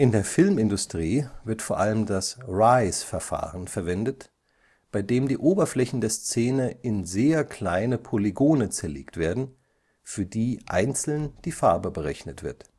der Filmindustrie wird vor allem das REYES-Verfahren verwendet, bei dem die Oberflächen der Szene in sehr kleine Polygone zerlegt werden, für die einzeln die Farbe berechnet wird